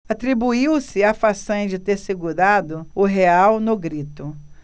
atribuiu-se a façanha de ter segurado o real no grito